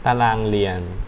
ตารางเรียน